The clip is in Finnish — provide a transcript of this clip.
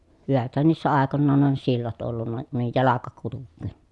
hyväthän niissä aikoinaan on sillat ollut - noin jalka kulkea